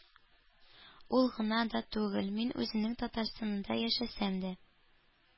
Ул гына да түгел, мин үземнең Татарстанымда яшәсәм дә,